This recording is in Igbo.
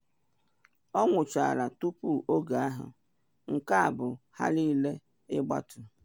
Ọ nwụọla tupu oge ahụ, nke a bụ ha niile ịgbatu.